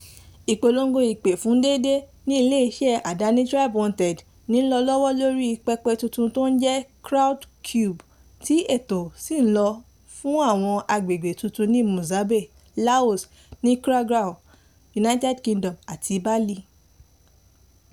Ìpolongo ìpè fún déédé ní ilé iṣẹ́ àdáni TribeWanted ni ó ń lọ lọ́wọ́ lórí pẹpẹ tuntun tí ó ń jẹ́ Crowdcube, tí ètò sì ń lọ lọ́wọ́ fún àwọn àgbègbè tuntun ní Mozambique, Laos, Nicaragua, United Kingdom àti Bali.